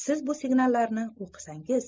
siz bu signallarni o'qisangiz